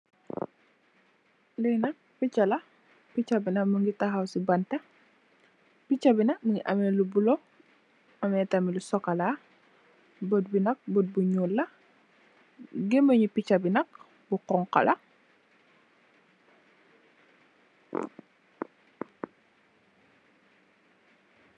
Lii nak picca la, picca bi nak mu ngi taxaw si banta, picca bi nak mu ngi am lu bulo, bët bi nak bët bu ñuul la, gëmënge ñi picca ni nak, dafa xoñxa,